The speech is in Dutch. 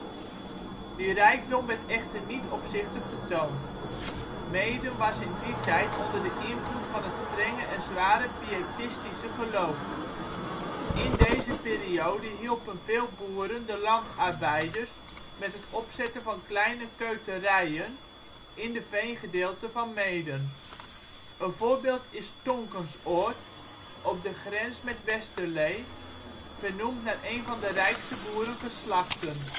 Die rijkdom werd echter niet opzichtig getoond. Meeden was in die tijd onder de invloed van het strenge en zware piëtistische geloof. In deze periode hielpen veel boeren de landarbeiders met het opzetten van kleine keuterijen in de veengedeelten van Meeden. Een voorbeeld is Tonkensoord, op de grens met Westerlee, vernoemd naar een van de rijkste boerengeslachten